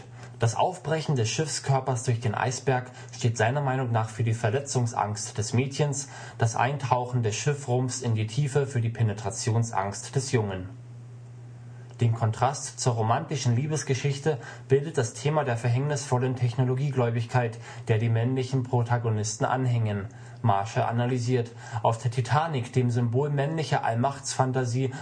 des Schiffskörpers durch den Eisberg steht seiner Meinung nach für die Verletzungsangst des Mädchens, das Eintauchen des Schiffrumpfs in die Tiefe für die Penetrationsangst des Jungen. Den Kontrast zur romantischen Liebesgeschichte bildet das Thema der verhängnisvollen Technologiegläubigkeit, der die männlichen Protagonisten anhängen. Marschall analysiert: „ Auf der Titanic, dem Symbol männlicher Allmachtsphantasie